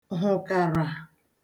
hụ̀kàrà